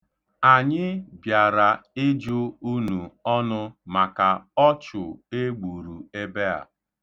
Anyị bịara ịjụ unu ọnụ maka ọchụ e gburu ebe a.